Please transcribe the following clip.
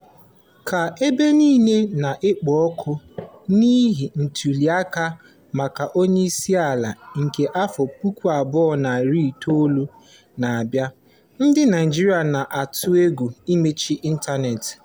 Ka ebe niile na-ekpo ọkụ n'ihi ntụliaka maka onyeisiala nke 2019 na-abịa, ndị Naịjirịa na-atụ egwu mmechi ịntanet